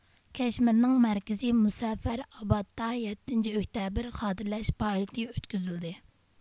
كەشمىرنىڭ مەركىزى مۇزەففەرئابادتا يەتتىنچى ئۆكتەبىر خاتىرىلەش پائالىيىتى ئۆتكۈزۈلدى